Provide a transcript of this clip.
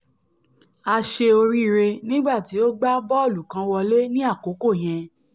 À ṣe oríire nígbà tí ó gbá bọ́ọ̀lù kan wọlé ní àkókò yẹn.''